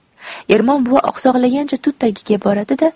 ermon buva oqsoqlagancha tut tagiga boradi da